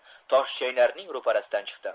toshchaynarning ro'parasidan chiqdi